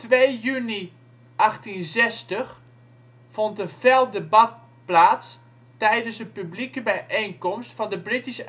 2 juni 1860 vond een fel debat plaats tijdens een publieke bijeenkomst van de British